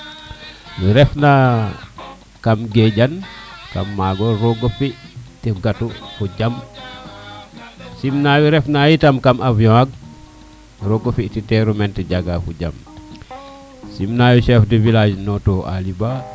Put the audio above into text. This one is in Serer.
we ref na kam gejan kamo magole roga fi te gato fo jam sim nayo we refna yi tam avion itam roga fi te teru meen te jaga fo jam simna yo chef du village Noto Ali Ba